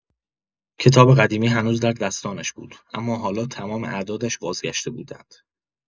کتاب قدیمی هنوز در دستانش بود، اما حالا تمام اعدادش بازگشته بودند.